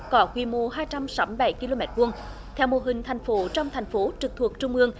cỏ quy mô hai trăm sáu bảy ki lô mét vuông theo mô hình thành phố trong thành phố trực thuộc trung ương